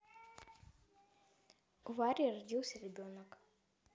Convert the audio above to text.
у вари родился ребенок